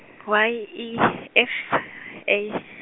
Y, E, F, A.